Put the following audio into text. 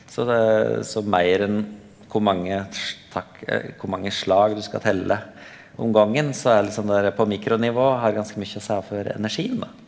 så det så meir enn kor mange kor mange slag du skal telje om gongen så er det litt sånn derre på mikronivå har ganske mykje å seie for energien da.